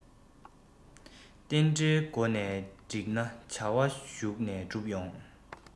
རྟེན འབྲེལ མགོ ནས འགྲིག ན བྱ བ གཞུག ནས འགྲུབ ཡོང